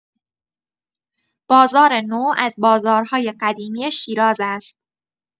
بازار نو از بازارهای قدیمی شیراز است.